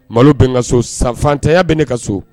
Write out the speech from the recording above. Malo bɛ ka so sanfantanya bɛ ne ka so